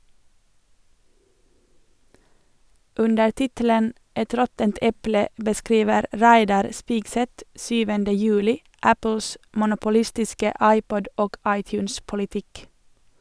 Under tittelen «Et råttent eple» beskriver Reidar Spigseth 7. juli Apples monopolistiske iPod- og iTunes-politikk.